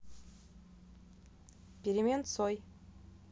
перемен цой